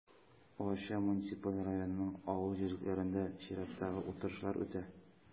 Арча муниципаль районының авыл җирлекләрендә чираттагы утырышлар үтә.